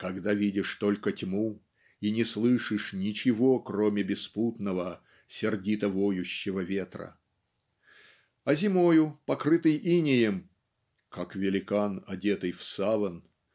"когда видишь только тьму и не слышишь ничего кроме беспутного сердито воющего ветра" а зимою покрытый инеем "как великан одетый в саван"